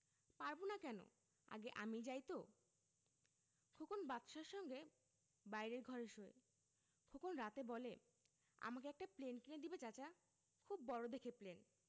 পারব না কেন আগে আমি যাই তো খোকন বাদশার সঙ্গে বাইরের ঘরে শোয় খোকন রাতে বলে আমাকে একটা প্লেন কিনে দিবে চাচা খুব বড় দেখে প্লেন